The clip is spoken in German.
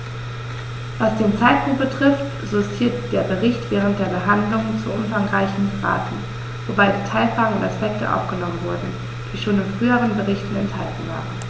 Was den Zeitpunkt betrifft, so ist hier der Bericht während der Behandlung zu umfangreich geraten, wobei Detailfragen und Aspekte aufgenommen wurden, die schon in früheren Berichten enthalten waren.